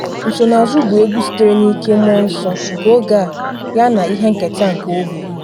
Nsonaazụ bụ egwu sitere n'ike mmụọ nsọ nke oge a yana ihe nketa nke ogbe.